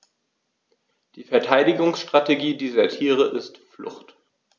Die Verteidigungsstrategie dieser Tiere ist Flucht.